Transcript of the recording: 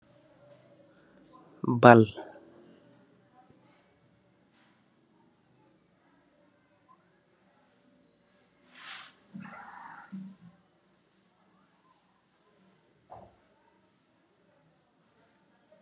Ball